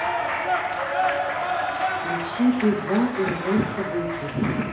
включи би два горизонт событий